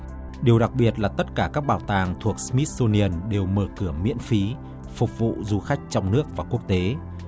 điều đặc biệt là tất cả các bảo tàng thuộc sờ mít su ni ừn đều mở cửa miễn phí phục vụ du khách trong nước và quốc tế